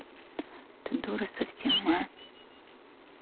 ты дура совсем а